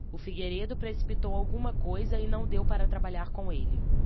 o figueiredo precipitou alguma coisa e não deu para trabalhar com ele